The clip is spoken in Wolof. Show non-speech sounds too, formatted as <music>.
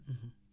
<hesitation> <hesitation>